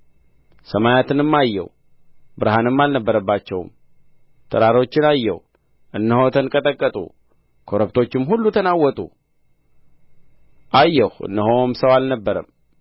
ሰማያትንም አየሁ ብርሃንም አልነበረባቸውም ተራሮችን አየሁ እነሆም ተንቀጠቀጡ ኮረብቶችም ሁሉ ተናወጡ አየሁ እነሆም ሰው አልነበረም